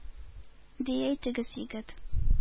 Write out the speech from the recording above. Ди, җитез егет.